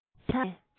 དེ དག ནས